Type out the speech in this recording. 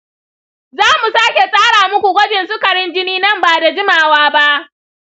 za mu sake tsara muku gwajin sukarin jini nan ba da jimawa ba.